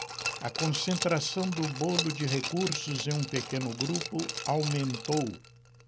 a concentração do bolo de recursos em um pequeno grupo aumentou